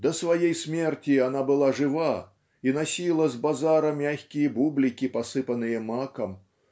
До своей смерти она была жива и носила с базара мягкие бублики посыпанные маком